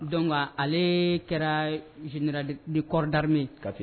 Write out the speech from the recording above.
Donc ale kɛra général de corps d'armée ye